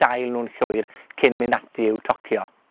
dail nw'n llwyr, cyn mynd ati i'w tocio.